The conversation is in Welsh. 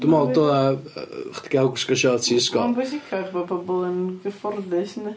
Dwi'n meddwl dyla yy chdi gael gwisgo siorts i ysgol... Mae'n bwysicach bod pobl yn gyfforddus yndi?